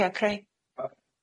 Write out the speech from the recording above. Ie Creu-.